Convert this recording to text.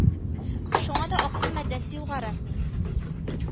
Шуңа да аксым матдәсе югары